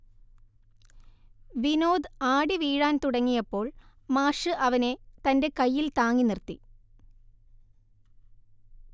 വിനോദ് ആടി വീഴാൻ തുടങ്ങിയപ്പോൾ മാഷ് അവനെ തന്റെ കയ്യിൽ താങ്ങി നിർത്തി